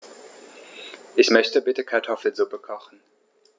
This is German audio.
Ich möchte bitte Kartoffelsuppe kochen.